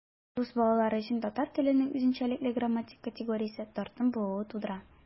Рус балалары өчен татар теленең үзенчәлекле грамматик категориясе - тартым булуы тудыра.